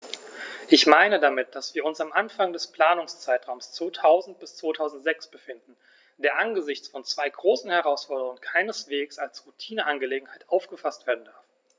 Ich meine damit, dass wir uns am Anfang des Planungszeitraums 2000-2006 befinden, der angesichts von zwei großen Herausforderungen keineswegs als Routineangelegenheit aufgefaßt werden darf.